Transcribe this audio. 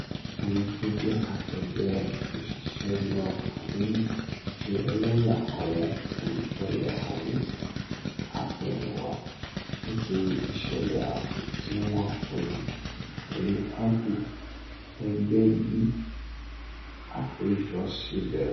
Ẹni tó jẹ́ akẹgbé òṣìṣẹ́ Lord Adonis ṣe ẹlẹ́yà àwọn olùtẹ̀lé ohun àtẹ̀hìnwá nítorí ìṣẹ̀lẹ̀ ààbò tí wọ́n kojú pẹ̀lú áàpù ẹgbẹ́ bí àpéjọ ṣí bẹ̀rẹ̀.